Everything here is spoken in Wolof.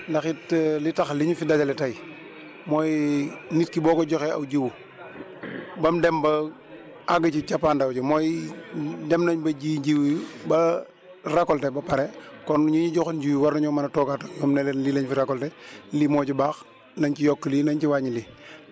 ndax it li tax li ñu fi dajale tey mooy nit ki boo ko joxee aw jiwu ba mu dem ba àgg ci cappaandaw ji mooy dem nañ ba ji njiw yi ba récolter ba pare kon ñi ñi joxoon jiw war nañoo mën a toogaat ak ñoom ne leen lii lañ fi récolter lii moo ci baax nañ ci yokk lii nañ ci wàññi lii